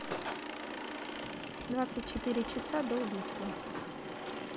двадцать четыре часа до убийства